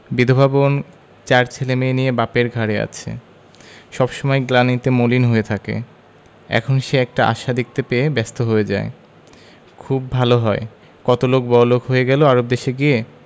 বিধবা বোন চার ছেলেমেয়ে নিয়ে বাপের ঘাড়ে আছে সব সময় গ্লানিতে মলিন হয়ে থাকে এখন সে একটা আশা দেখতে পেয়ে ব্যস্ত হয়ে যায় খুব ভালো হয় কত লোক বড়লোক হয়ে গেল আরব দেশে গিয়ে